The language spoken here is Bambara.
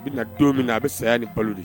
Bina don minna a be saya ni balo de